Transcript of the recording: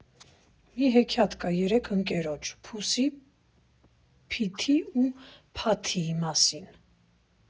Մի հեքիաթ կա երեք ընկերոջ՝ Փուսի, Փիթի ու Փաթիի մասին։